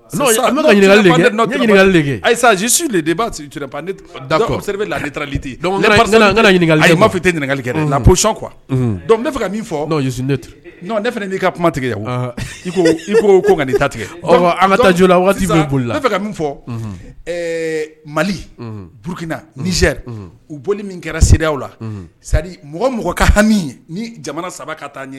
Ayi lali ɲininka'a tɛ ɲininkali kɛ la qu kuwa fɛ ka fɔ ten fana n'i ka kuma tigɛ i ko ta tigɛ an ka taajo la waati b'a boli fɛ ka min fɔ mali burukinazse u boli min kɛra se la sa mɔgɔ mɔgɔ ka hami ni jamana saba ka taa